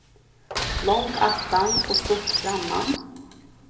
long aftan og stutt framman